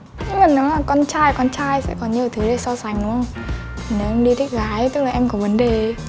nhưng mà nó là con chai con chai xẽ có nhiều thứ để xo xánh đúng hông nếu em đi thích gái tức là em có vấn đề